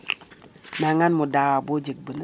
na ngan mo dawa bo jeg